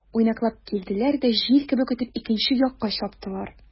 Уйнаклап килделәр дә, җил кебек үтеп, икенче якка чаптылар.